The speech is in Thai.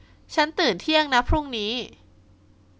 ฉันตื่นเที่ยงนะพรุ่งนี้